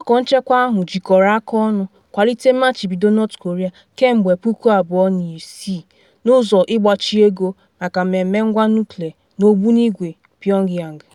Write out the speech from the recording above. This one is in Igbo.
Ọgbakọ Nchekwa ahụ jikọrọ aka ọnụ kwalite mmachibido North Korea kemgbe 2006, n’ụzọ ịgbachi ego maka mmemme ngwa nuklịa na ogbunigwe Pyongyang.